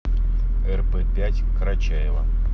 рп пять карачаево